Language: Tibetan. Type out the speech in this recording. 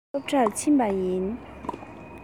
ང སློབ གྲྭར ཕྱིན པ ཡིན